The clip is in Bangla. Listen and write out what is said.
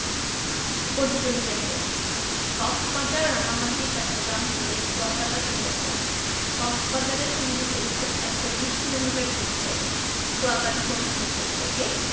পর্যটন কেন্দ্রঃ কক্সবাজার রাঙ্গামাটি চট্টগ্রাম সিলেট কুয়াকাটা সুন্দরবন কক্সবাজারের সমুদ্র সৈকত ১২০ কিলোমিটার দীর্ঘ কুয়াকাটা সমুদ্র সৈকত থেকে